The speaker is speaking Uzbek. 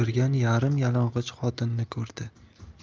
o'tirgan yarim yalang'och xotinni ko'rdi